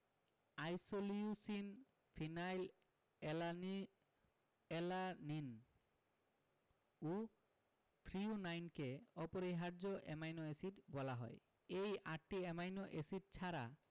isoleucine phenyl অ্যালানি alanine ও থ্রিওনাইনকে অপরিহার্য অ্যামাইনো এসিড বলা হয় এই আটটি অ্যামাইনো এসিড ছাড়া